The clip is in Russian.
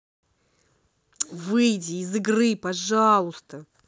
выйди из игры пожалуйста